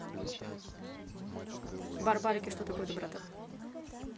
барбарики что такое доброта